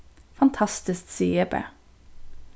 fantastiskt sigi eg bara